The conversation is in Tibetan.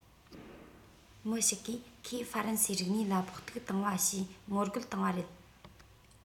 མི ཞིག གིས ཁོས ཧྥ རན སིའི རིག གནས ལ ཕོག ཐུག བཏང བ ཞེས ངོ རྒོལ བཏང བ རེད